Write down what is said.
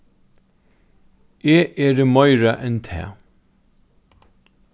eg eri meira enn tað